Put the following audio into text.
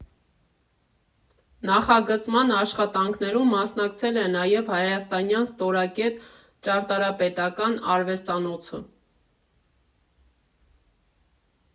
Նախագծման աշխատանքներում մասնակցել է նաև հայաստանյան «Ստորակետ» ճարտարապետական արվեստանոցը։